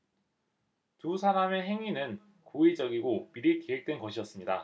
두 사람의 행위는 고의적이고 미리 계획된 것이었습니다